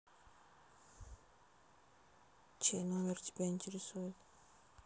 чей номер тебя интересует